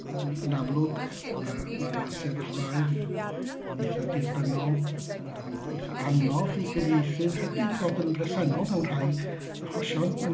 Yym yn amlwg yy mae 'na sefyllfaoedd eitha dirdynol yym eitha anodd i gyfieithydd hefyd fod yn bresennol mewn rhai achosion,